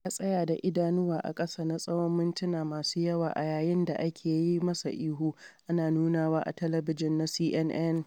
Ya tsaya da idanuwa a ƙasa na tsawon mintina masu yawa a yayin da ake yi masa ihu, ana nunawa a talabijin na CNN.